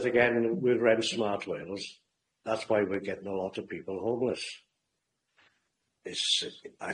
But as again we're rent smart Wales that's why we're getting a lot of people homeless.